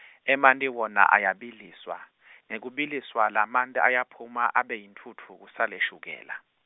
emanti wona ayabiliswa , ngekubiliswa lamanti ayaphuma abe yintfutfu kusale shukela.